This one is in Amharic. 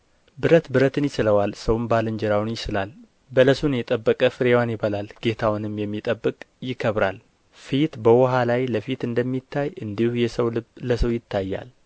ብረት ብረትን ይስለዋል ሰውም ባልንጀራውን ይስላል በለሱን የጠበቀ ፍሬዋን ይበላል ጌታውንም የሚጠብቅ ይከብራል ፊት በውኃ ላይ ለፊት እንደሚታይ እንዲሁ የሰው ልብ ለሰው ይታያል